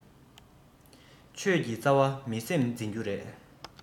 ཆོས ཀྱི རྩ བ མི སེམས འཛིན རྒྱུ རེད